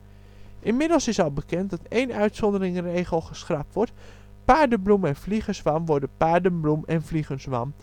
Inmiddels is al bekend dat er één uitzonderingsregel geschrapt wordt: paardebloem en vliegezwam worden paardenbloem en vliegenzwam